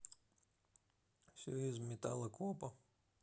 все из метало копа